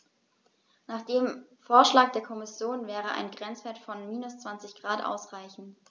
Nach dem Vorschlag der Kommission wäre ein Grenzwert von -20 ºC ausreichend.